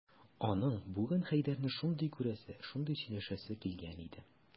Аның бүген Хәйдәрне шундый күрәсе, шундый сөйләшәсе килгән иде...